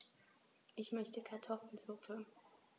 Ich möchte Kartoffelsuppe.